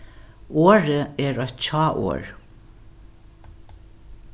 orðið er eitt hjáorð